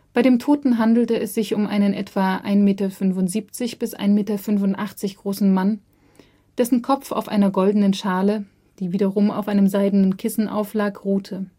Bei dem Toten handelte es sich um einen etwa 1,75 bis 1,85 m großen Mann, dessen Kopf auf einer goldenen Schale, die wiederum auf einem seidenen Kissen auflag, ruhte